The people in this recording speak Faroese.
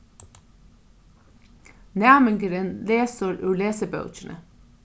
næmingurin lesur úr lesibókini